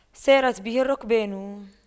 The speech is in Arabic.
سارت به الرُّكْبانُ